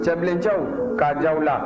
cɛbilencɛw k'a diya aw la